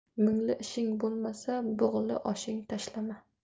mungli ishing bo'lmasa bug'li oshing tashlama